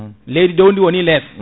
leydi dow ndi woni less